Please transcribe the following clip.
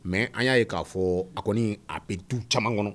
Mɛ an y'a ye k'a fɔ a kɔni a bɛ du caman kɔnɔ